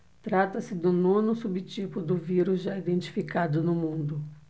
trata-se do nono subtipo do vírus já identificado no mundo